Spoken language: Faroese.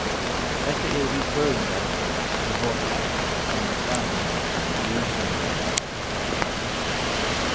hetta eru vit føroyingar sum hóast alt standa saman lið um lið